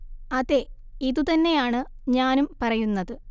അതെ ഇതു തന്നെയാണ് ഞാനും പറയുന്നത്